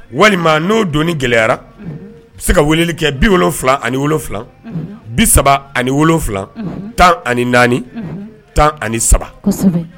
Walima n'o don gɛlɛyara se ka weleli kɛ bi wolo wolonwula ani wolo wolonwula bi saba ani wolo wolonwula tan ani naani tan ani saba